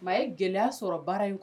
Mais a ye gɛlɛya sɔrɔ baara in